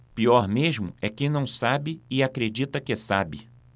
pior mesmo é quem não sabe e acredita que sabe